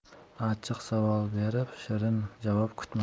achchiq savol berib shirin javob kutma